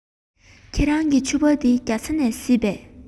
ཁྱེད རང གི ཕྱུ པ དེ རྒྱ ཚ ནས གཟིགས པས